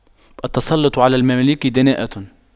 التسلُّطُ على المماليك دناءة